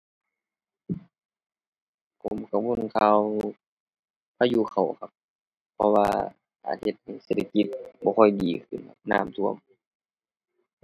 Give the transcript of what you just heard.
ผมกังวลข่าวพายุเข้าครับ เพราะว่าอาจเฮ็ดให้เศรษฐกิจบ่ค่อยดีขึ้นครับ น้ำท่วม